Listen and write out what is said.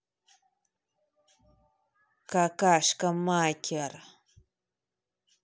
какашка maker